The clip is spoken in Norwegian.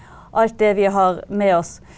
alt det vi har med oss.